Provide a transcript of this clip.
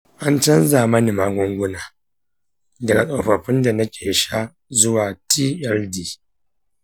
an canza mini magunguna daga tsofaffin da nake sha zuwa tld.